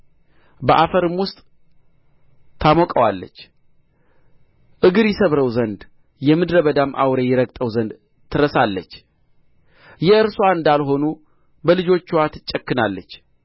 በአፈርም ውስጥ ታሞቀዋለች እግር ይሰብረው ዘንድ የምድረ በዳም አውሬ ይረግጠው ዘንድ ትረሳለች የእርስዋ እንዳልሆኑ በልጆችዋ ትጨክናለች